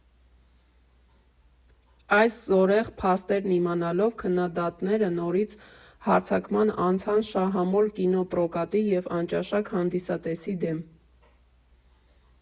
Այս զորեղ փաստերն իմանալով՝ քննադատները նորից հարձակման անցան «շահամոլ» կինոպրոկատի և «անճաշակ» հանդիսատեսի դեմ։